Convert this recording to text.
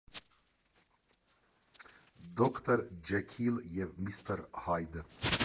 Դոկտոր Ջեքիլ և Միսթր Հայդ։